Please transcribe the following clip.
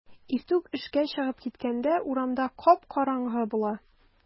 Иртүк эшкә чыгып киткәндә урамда кап-караңгы була.